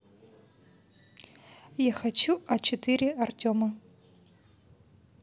я хочу а четыре артема